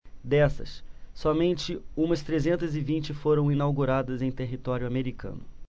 dessas somente umas trezentas e vinte foram inauguradas em território americano